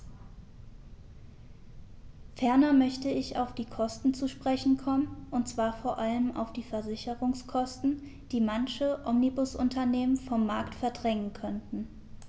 Ferner möchte ich auf die Kosten zu sprechen kommen, und zwar vor allem auf die Versicherungskosten, die manche Omnibusunternehmen vom Markt verdrängen könnten.